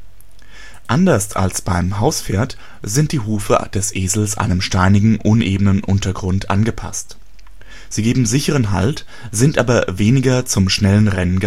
Anders als beim Hauspferd sind die Hufe des Esels einem steinigen, unebenen Untergrund angepasst. Sie geben sicheren Halt, sind aber weniger zum schnellen Rennen